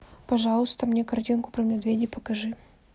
пожалуйста мне картинку про медведей покажи